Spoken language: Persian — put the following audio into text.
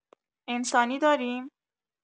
انسانی داریم؟